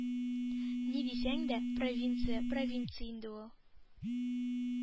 Ни дисәң дә, ”провинция“ провинция инде ул.